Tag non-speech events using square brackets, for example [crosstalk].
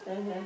[hesitation] [hesitation]